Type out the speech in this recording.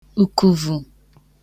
ùkùvù